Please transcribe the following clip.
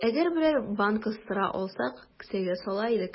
Әгәр берәр банка сыра алсак, кесәгә сала идек.